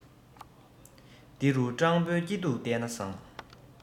འདི རུ སྤྲང པོའི སྐྱིད སྡུག བལྟས པ བཟང